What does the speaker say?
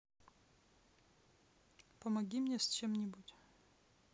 помоги мне с чем нибудь